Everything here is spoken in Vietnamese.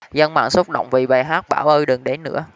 dân mạng xúc động vì bài hát bão ơi đừng đến nữa